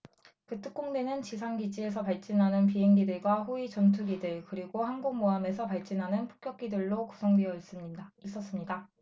그 특공대는 지상 기지에서 발진하는 비행기들과 호위 전투기들 그리고 항공모함에서 발진하는 폭격기들로 구성되어 있었습니다